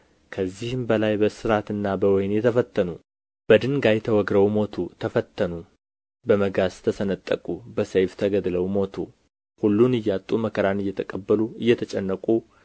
ከዚህም በላይ በእስራትና በወኅኒ ተፈተኑ በድንጋይ ተወግረው ሞቱ ተፈተኑ በመጋዝ ተሰነጠቁ በሰይፍ ተገድለው ሞቱ ሁሉን እያጡ መከራን እየተቀበሉ እየተጨነቁ